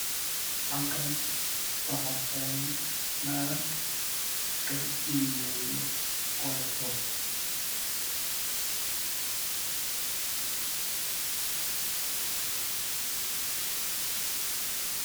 Halakan waxa tagan naag kala iyo mooyo wadato